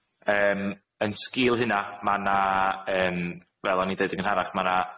Yym yn sgil hynna, ma' 'na yym, fel o'n i'n deud yn gynharach, ma' 'na